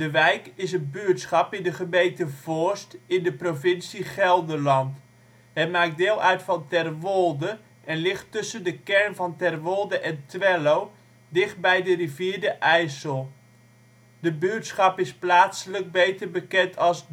Wijk is een buurtschap in de gemeente Voorst, provincie Gelderland. Het maakt deel uit van Terwolde en ligt tussen de kern van Terwolde en Twello dicht bij de rivier de IJssel. Het buurtschap is plaatselijk beter bekend als